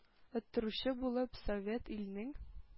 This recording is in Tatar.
Оттыручы булып, совет иленең,